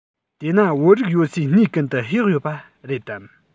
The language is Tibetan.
དེ ན བོད རིགས ཡོད སའི གནས ཀུན ཏུ གཡག ཡོད པ རེད དམ